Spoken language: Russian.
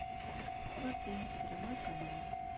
сваты прямой канал